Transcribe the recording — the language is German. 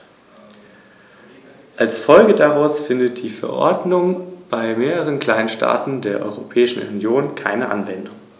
Oder denken Sie an Schiffer von osteuropäischen Schiffen, die hier neben anderen ankern und von denen ganz offensichtlich Gefahren ausgehen.